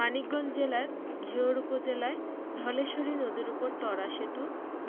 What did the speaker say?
মানিকগঞ্জ জেলার ঘিওর উপজেলায় ধলেশ্বরী নদীর উপর ত্বরা সেতু